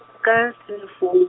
ka sele foun-.